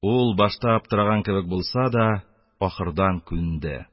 Ул башта аптыраган кебек булса да, ахырдан күнде.